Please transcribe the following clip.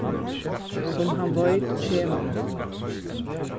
sum hann veit kemur